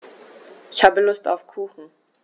Ich habe Lust auf Kuchen.